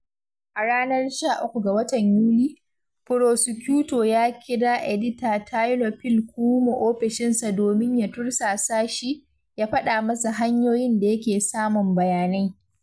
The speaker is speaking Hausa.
A ranar 13 ga watan Yuli, furosikyuto ya kira edita Théophile Kouamouo ofishinsa domin ya tursasa shi, ya faɗa masa hanyoyin da yake samun bayanai.